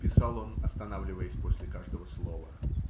писал он, останавливаясь после каждого слова,